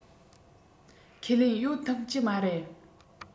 ཁས ལེན ཡོང ཐུབ ཀྱི མ རེད